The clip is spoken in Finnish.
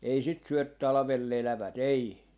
ei sitä syö talvella elävät ei